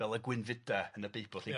Fel y gwynfyda' yn y Beibl lly... Ia.